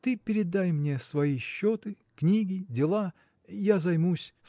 – Ты передай мне свои счеты, книги, дела. я займусь.